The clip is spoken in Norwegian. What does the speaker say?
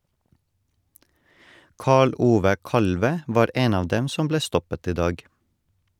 Karl Ove Kalve var en av dem som ble stoppet i dag.